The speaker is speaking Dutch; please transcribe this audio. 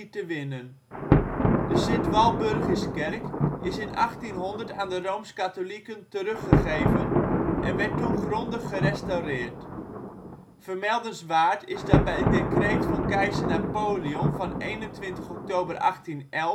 te winnen. De Sint-Walburgiskerk is in 1800 aan de rooms-katholieken teruggegeven en werd toen grondig gerestaureerd. Vermeldenswaard is dat bij decreet van Keizer Napoleon van 21 oktober